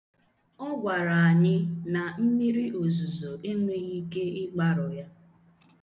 Ọ gwara anyị na mmiri ozuzo enweghi ike ịgbarụ ya.